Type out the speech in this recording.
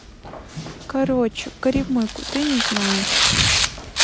короче горемыку ты не знаешь